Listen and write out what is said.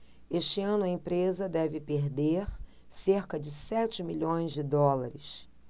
este ano a empresa deve perder cerca de sete milhões de dólares